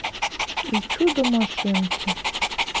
и чудо машинки